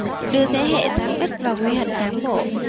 đưa thế hệ tám x vào quy hoạch cán bộ